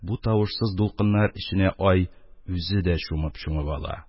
Бу тавышсыз тулкыннар эченә ай үзе дә чумып-чумып ала.